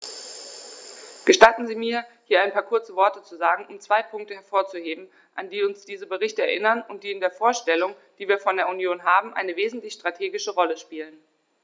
Gestatten Sie mir, hier ein paar kurze Worte zu sagen, um zwei Punkte hervorzuheben, an die uns diese Berichte erinnern und die in der Vorstellung, die wir von der Union haben, eine wesentliche strategische Rolle spielen.